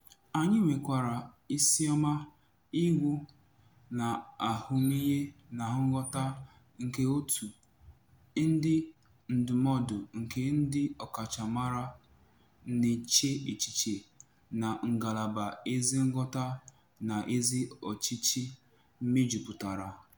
Anyị nwekwara isiọma ịgụ n'ahụmihe na nghọta nke òtù ndị ndụmọdụ nke ndị ọkachamara na-eche echiche na ngalaba ezi nghọta na ezi ọchịchị mejupụtara.